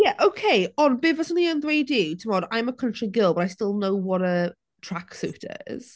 Yeah ok ond be fyswn i yn dweud i yw timod. I'm a country girl but I still know what a tracksuit is.